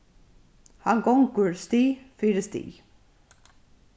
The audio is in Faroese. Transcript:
hann gongur stig fyri stig